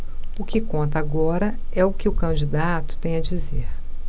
o que conta agora é o que o candidato tem a dizer